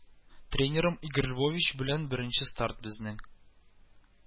Тренерым Игорь Львович белән беренче старт безнең